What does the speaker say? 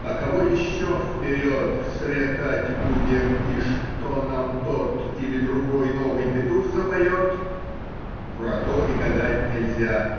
А кого еще вперед сретать будем и что нам тот или другой новый петух запоет, про то и гадать нельзя.